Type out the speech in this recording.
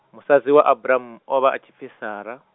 musadzi wa Aburam, o vha a tshi pfi Sara.